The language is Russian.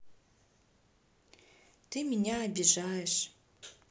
ты меня обижаешь